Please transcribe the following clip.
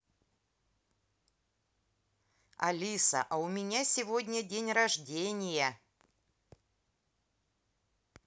алиса а у меня сегодня день рождения